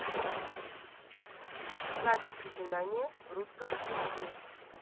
знаки препинания в русском языке